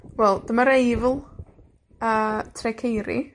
Wel, dyma'r Eifl, a Tre'r Ceiri.